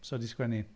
So fe 'di sgwennu un.